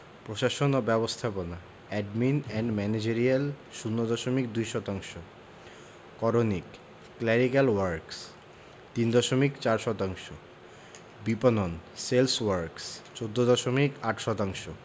প্রশাসন ও ব্যবস্থাপনা এডমিন এন্ড ম্যানেজেরিয়াল ০ দশমিক ২ শতাংশ করণিক ক্ল্যারিক্যাল ওয়ার্ক্স ৩ দশমিক ৪ শতাংশ বিপণন সেলস ওয়ার্ক্স ১৪দশমিক ৮ শতাংশ